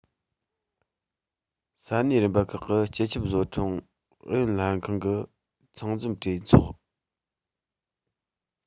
ས གནས རིམ པ ཁག གི སྤྱི ཁྱབ བཟོ ཚོགས ཨུ ཡོན ལྷན ཁང གི ཚང འཛོམས གྲོས ཚོགས